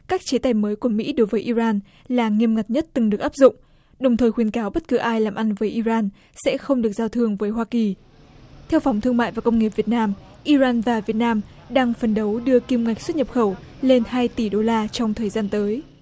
các chế tài mới của mỹ đối với i ran là nghiêm ngặt nhất từng được áp dụng đồng thời khuyến cáo bất cứ ai làm ăn với i ran sẽ không được giao thương với hoa kỳ theo phòng thương mại và công nghiệp việt nam i ran và việt nam đang phấn đấu đưa kim ngạch xuất nhập khẩu lên hai tỷ đô la trong thời gian tới